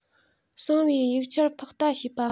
གསང བའི ཡིག ཆར ཕག ལྟ བྱེད པ